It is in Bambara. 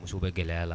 Musow bɛ gɛlɛya la